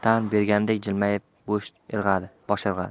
bergandek jilmayib bosh irg'adi